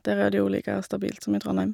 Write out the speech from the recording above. Der er det jo like stabilt som i Trondheim.